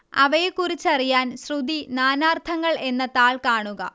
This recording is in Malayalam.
അവയെക്കുറിച്ചറിയാൻ ശ്രുതി നാനാർത്ഥങ്ങൾ എന്ന താൾ കാണുക